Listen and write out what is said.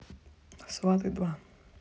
сваты два